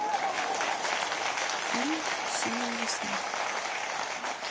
фильм синяя весна